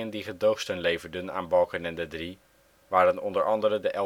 die gedoogsteun leverden aan Balkenende-III waren onder andere de